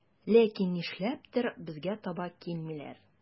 Ләкин нишләптер безгә таба килмиләр.